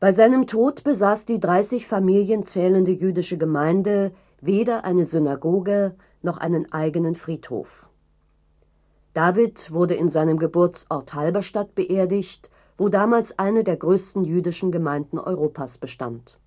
seinem Tod besaß die 30 Familien zählende jüdische Gemeinde weder eine Synagoge noch einen eigenen Friedhof. David wurde in seinem Geburtsort Halberstadt beerdigt, wo damals eine der größten jüdischen Gemeinden Europas bestand